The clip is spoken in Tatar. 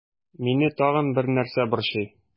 Мине тагын бер нәрсә борчый.